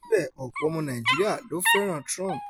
Síbẹ̀, ọ̀pọ̀ ọmọ Nàìjíríà ló fẹ́ràn-an Trump.